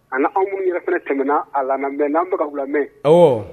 A anw minnu yɛrɛ fana kɛmɛɛna a la bɛn n'anbaga lamɛnmɛ